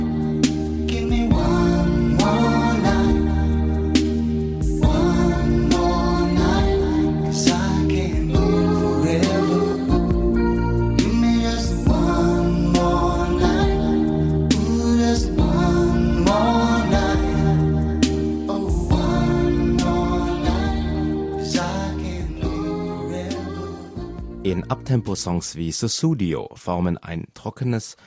formen ein trockenes